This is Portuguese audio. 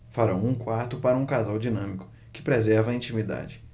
farão um quarto para um casal dinâmico que preserva a intimidade